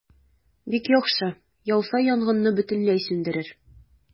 Бик яхшы, яуса, янгынны бөтенләй сүндерер.